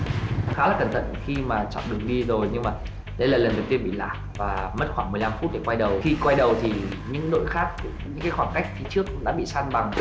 khá là cẩn thận khi mà chọn đường đi rồi nhưng mà đấy là lần đầu tiên bị lạc và mất khoảng mười lăm phút để quay đầu khi quay đầu thì những đội khác những cái khoảng cách phía trước đã bị san bằng